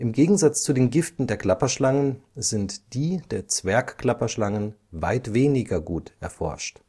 Gegensatz zu den Giften der Klapperschlangen sind die der Zwergklapperschlangen weit weniger gut erforscht